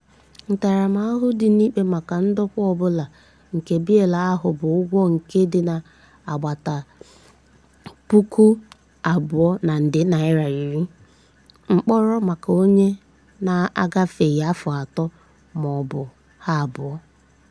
Ntaramahụhụ dị n'ikpe maka ndokwa ọ bụla nke bịịlụ ahụ bụ ụgwọ nke dị n'agbata 200,000 na nde naira 10 [ihe dị ka $556 ruo $28,000 United States dollar], mkpọrọ maka oge na-agafeghị afọ atọ ma ọ bụ ha abụọ.